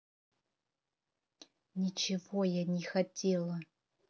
ничего я не хотела